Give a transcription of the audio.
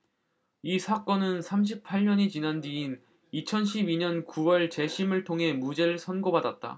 이 사건은 삼십 팔 년이 지난 뒤인 이천 십 이 년 구 월 재심을 통해 무죄를 선고받았다